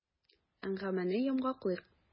Әңгәмәне йомгаклыйк.